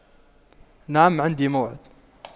نعم عندي موعد